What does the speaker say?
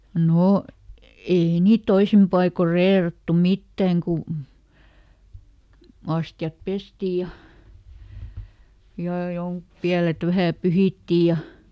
no ei niitä toisin paikoin reerattu mitään kun astiat pestiin ja ja - pielet vähän pyhittiin ja